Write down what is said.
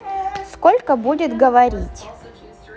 сколько будет говорить